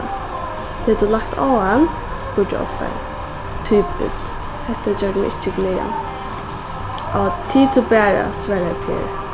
tað hevur tú lagt á hann spurdi eg ovfarin typiskt hetta gjørdi meg ikki glaðan áh tig tú bara svaraði per